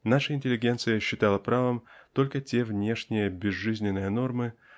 наша интеллигенция считала правом только те внешние безжизненные нормы